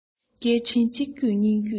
སྐད འཕྲིན གཅིག བརྒྱུད གཉིས བརྒྱུད